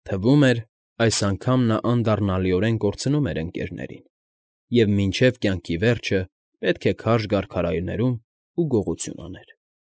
Թվում էր, այս անգամ նա անդառնալիորեն կորցնում էր ընկներներին ու մինչև կյանքի վերջը պետք է քարշ գար քարայրներում ու գողություն աներ։